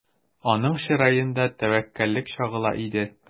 Аның чыраенда тәвәккәллек чагыла иде.